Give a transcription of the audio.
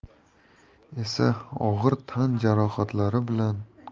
esa og'ir tan jarohatlari bilan